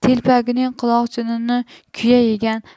telpagining quloqchinini kuya yegan